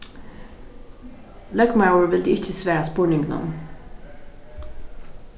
løgmaður vildi ikki svara spurningunum